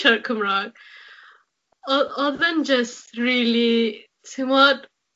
siarad Cymrag o- odd e'n jyst rili t'mod?